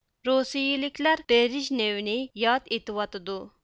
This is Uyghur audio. روسىيىلىكلەر بېرېژنېۋنى ياد ئېتىۋاتىدۇ